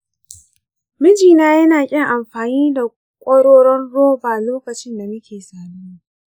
mijina yana ƙin amfani da kwaroron roba lokacin da muke saduwa.